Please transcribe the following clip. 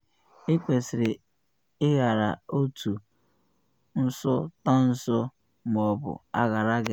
Ị kwesịrị ịghara otu nsotanso ma ọ bụ aghara gị.